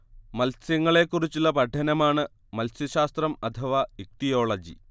മത്സ്യങ്ങളെക്കുറിച്ചുള്ള പഠനമാണ് മത്സ്യശാസ്ത്രം അഥവാ ഇക്തിയോളജി